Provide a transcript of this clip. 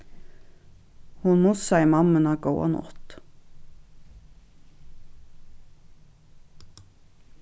hon mussaði mammuna góða nátt